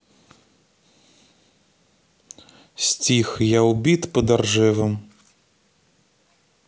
стих я убит подо ржевом